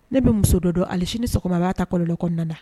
Ne bɛ muso dɔ don hali sini sɔgɔma a b'a ta kɔlɔlɔ kɔnɔna.